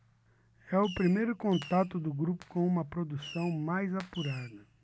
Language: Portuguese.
é o primeiro contato do grupo com uma produção mais apurada